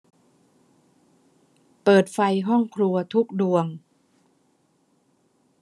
เปิดไฟห้องครัวทุกดวง